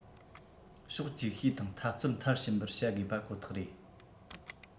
ཕྱོགས ཅིག ཤོས དང འཐབ རྩོད མཐར ཕྱིན པར བྱ དགོས པ ཁོ ཐག རེད